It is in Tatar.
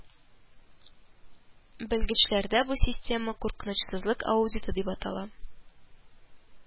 Белгечләрдә бу система “куркынычсызлык аудиты” дип атала